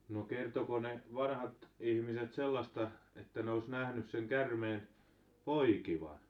no kertoiko ne vanhat ihmiset sellaista että ne olisi nähnyt sen käärmeen poikivan